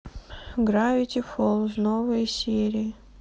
гравити фолз новые серии